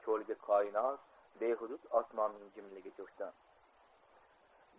cholga koinot behudud osmonning jimligi cho'kdi